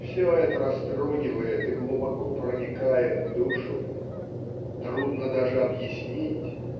все это растрогивает и глубоко проникает в душу. Трудно даже объяснить